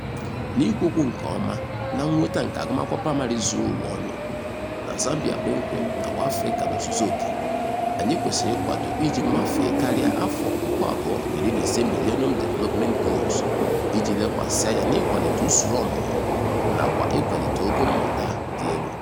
N'ikwu okwu nke ọma, na nnweta nke agụmakwụkwọ praịmarị zuru ụwa ọnụ, na Zambia kpọmkwem nakwa Afrịka n'ozuzu oke, anyị kwesịrị ịkwado iji mafee karịa 2015 Millennium Development Goals iji lekwasị anya n'ịkwalite usoro ọmụmụ nakwa ịkwalite ogo mmụta dị elu.